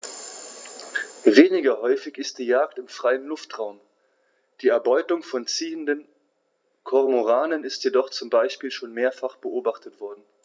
Weniger häufig ist die Jagd im freien Luftraum; die Erbeutung von ziehenden Kormoranen ist jedoch zum Beispiel schon mehrfach beobachtet worden.